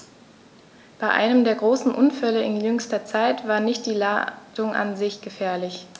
Bei einem der großen Unfälle in jüngster Zeit war nicht die Ladung an sich gefährlich.